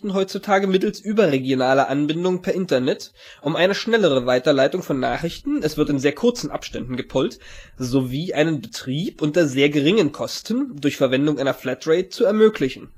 heutzutage mittels überregionaler Anbindung per Internet, um eine schnellere Weiterleitung von Nachrichten (es wird in sehr kurzen Abständen gepollt), sowie einen Betrieb unter sehr geringen Kosten (durch Verwendung einer Flatrate) zu ermöglichen